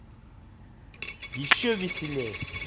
еще веселее